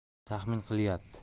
taxmin qilyapti